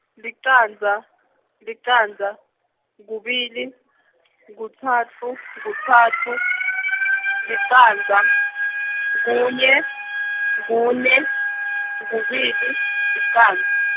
licandza, licandza, kubili, kutsatfu, kutsatfu, licandza, kunye, kune, kubili, licandza.